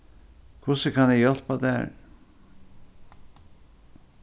hvussu kann eg hjálpa tær